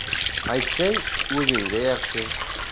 aytsang o'zingga yaxshi